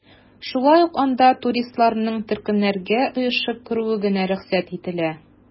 Шулай ук анда туристларның төркемнәргә оешып керүе генә рөхсәт ителә.